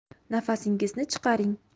nafasingizni chiqaring